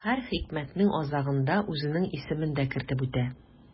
Һәр хикмәтнең азагында үзенең исемен дә кертеп үтә.